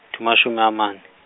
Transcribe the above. di mashome a mane.